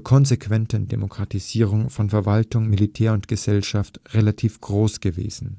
konsequenten Demokratisierung von Verwaltung, Militär und Gesellschaft relativ groß gewesen.